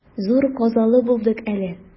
Зур казалы булдык әле.